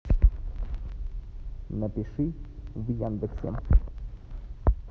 напиши в яндексе